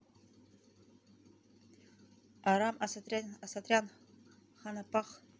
арам асатрян chanaparh